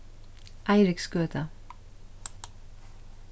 eiriksgøta